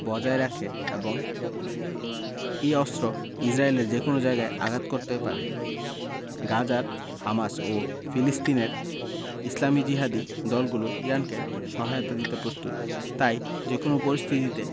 বজায় রাখে এবং এই অস্ত্র ইসরায়েলের যেকোনো জায়গায় আঘাত করতে পারে গাজার হামাস ও ফিলিস্তিনের ইসলামি জিহাদি দলগুলোও ইরানকে সহায়তা দিতে প্রস্তুত তাই যেকোনো পরিস্থিতিতে